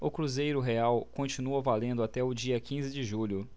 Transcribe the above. o cruzeiro real continua valendo até o dia quinze de julho